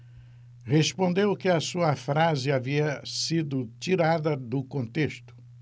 respondeu que a sua frase havia sido tirada do contexto